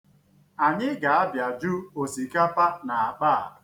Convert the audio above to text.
Anyị ga-abịaju osikapa na akpa a.